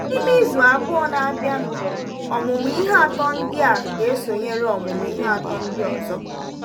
N'ime izu abụọ na-abịanụ, ọmụmụ ihe atọ ndị a ga-esonyere ọmụmụ ihe asatọ ndị ọzọ.